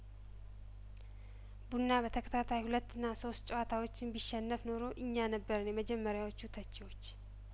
ቡና በተከታታይ ሁለትና ሶስት ጨዋታዎችን ቢሸነፍ ኖሮ እኛ ነበርን የመጀመሪያዎቹ ተቺዎች